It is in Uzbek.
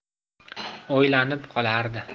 o'ylanib qolardi